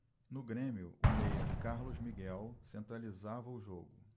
no grêmio o meia carlos miguel centralizava o jogo